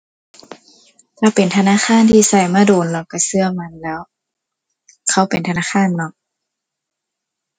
ถ้าเป็นธนาคารที่ใช้มาโดนแล้วใช้ใช้มันแหล้ว เขาเป็นธนาคารเนาะ